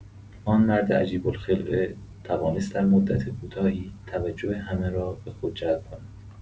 آن مرد عجیب‌الخلقه توانست در مدت کوتاهی توجه همه را به خود جلب کند.